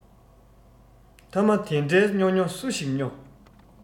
ཐ མ དེ འདྲའི སྨྱོ སྨྱོ སུ ཞིག སྨྱོ